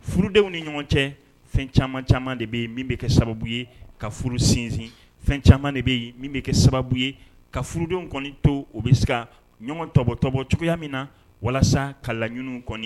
Furudenw ni ɲɔgɔn cɛ fɛn caman caman de bɛ yen min bɛ kɛ sababu ye ka furu sinsin fɛn caman de bɛ yen min bɛ kɛ sababu ye ka furudenw kɔni to o bɛ se ɲɔgɔn tɔtɔbɔ cogoya min na walasa ka laɲini kɔni